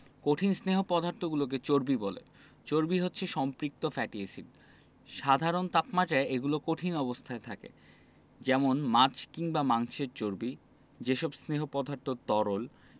কঠিন স্নেহ পদার্থগুলোকে চর্বি বলে চর্বি হচ্ছে সম্পৃক্ত ফ্যাটি এসিড সাধারণ তাপমাত্রায় এগুলো কঠিন অবস্থায় থাকে যেমন মাছ কিংবা মাংসের চর্বি যেসব স্নেহ পদার্থ তরল